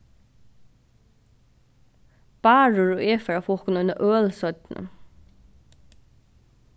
bárður og eg fara at fáa okkum eina øl seinni